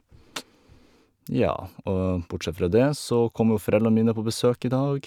Ja, og bortsett fra det så kommer jo foreldrene mine på besøk i dag.